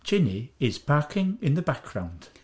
Jinnie is barking in the background.